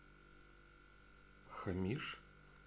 хамишь